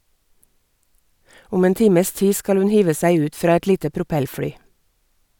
Om en times tid skal hun hive seg ut fra et lite propellfly.